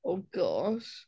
Oh gosh.